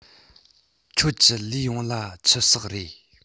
ཁྱོད ཀྱིས ལུས ཡོངས ལ ཆུ ཟེགས རེད